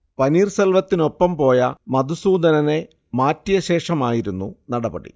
പനീർസെൽവത്തിനൊപ്പം പോയ മധുസൂദനനെ മാറ്റിയ ശേഷമായിരുന്നു നടപടി